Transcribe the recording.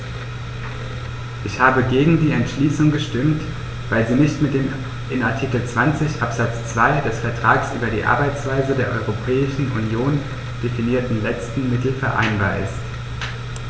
Ich habe gegen die Entschließung gestimmt, weil sie nicht mit dem in Artikel 20 Absatz 2 des Vertrags über die Arbeitsweise der Europäischen Union definierten letzten Mittel vereinbar ist.